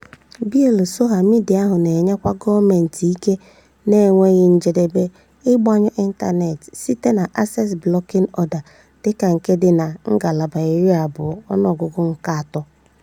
Bịịlụ soshaa midịa ahụ na-enyekwa gọọmentị ike na-enweghị njedebe ịgbanyụ ịntaneetị, site na "Access Blocking Order" dịka nke dị na Ngalaba 12, ọnụọgụgụ nke 3: